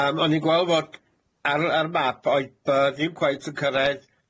Yym o'n i'n gweld fod ar yr map oedd b- ddim cweit yn cyrredd,